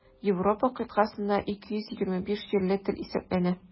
Европа кыйтгасында 225 җирле тел исәпләнә.